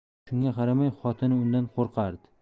shunga qaramay xotini undan qo'rqardi